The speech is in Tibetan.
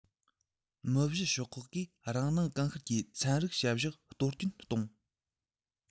མི བཞི ཤོག ཁག གིས རང སྣང གང ཤར གྱིས ཚན རིག བྱ གཞག གཏོར སྐྱོན གཏོང